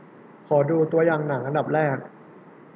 ขอดูตัวอย่างหนังอันดับแรก